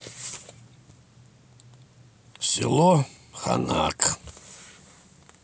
село ханаг